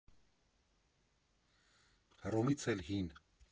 Հռոմից էլ հի՜ն։